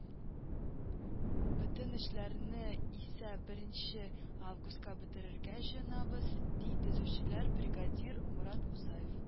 Бөтен эшләрне исә беренче августка бетерергә җыенабыз, - ди төзүчеләр бригадиры Мурат Мусаев.